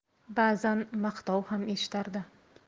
ba'zan maqtov ham eshitardi